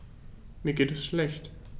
Mir geht es schlecht.